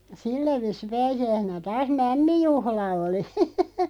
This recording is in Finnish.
sillä viisiin pääsiäisenä taas mämmijuhla oli